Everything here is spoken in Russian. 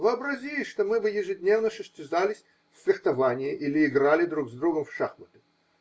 Вообрази, что мы бы ежедневно состязались в фехтовании или играли друг с другом в шахматы.